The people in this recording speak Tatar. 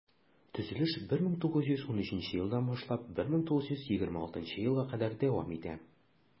Төзелеш 1913 елдан башлап 1926 елга кадәр дәвам итә.